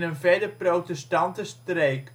een verder protestante streek